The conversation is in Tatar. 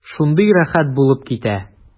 Шундый рәхәт булып китә.